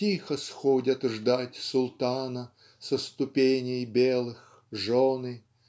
Тихо сходят ждать султана Со ступеней белых жены.